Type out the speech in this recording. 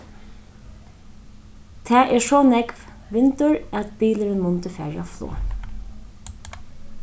tað er so nógv vindur at bilurin mundi farið á flog